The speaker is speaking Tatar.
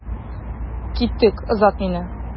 Киттек, озат мине.